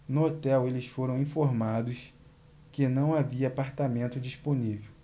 no hotel eles foram informados que não havia apartamento disponível